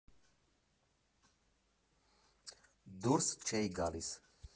Դուրս չէի գալիս։